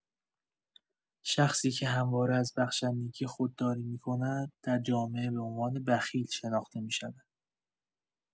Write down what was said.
شخصی که همواره از بخشندگی خودداری می‌کند، در جامعه به عنوان بخیل شناخته می‌شود.